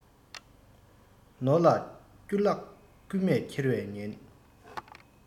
ནོར ལ བསྐྱུར བརླག རྐུན མས འཁྱེར བའི ཉེན